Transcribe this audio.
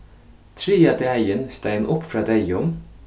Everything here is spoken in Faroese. triðja dagin staðin upp frá deyðum